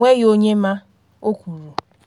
“Ọnweghị onye ma,” o kwuru.